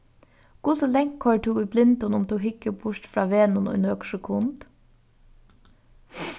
hvussu langt koyrir tú í blindum um tú hyggur burtur frá vegnum í nøkur sekund